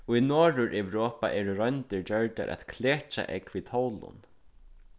í norðureuropa eru royndir gjørdar at klekja egg við tólum